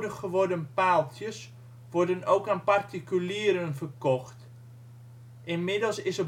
geworden paaltjes worden ook aan particulieren verkocht. Inmiddels is